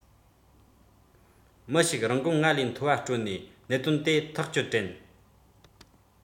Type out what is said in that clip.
མི ཞིག རིན གོང སྔར ལས མཐོ བ སྤྲོད ནས གནད དོན དེ ཐག གཅོད དྲན